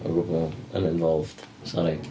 O gwbl yn involved sorry.